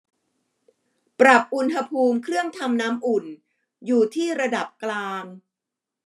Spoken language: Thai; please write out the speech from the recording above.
ปรับอุณหภูมิเครื่องทำน้ำอุ่นอยู่ที่ระดับกลาง